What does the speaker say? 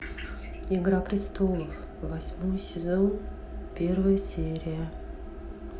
игра престолов восьмой сезон первая серия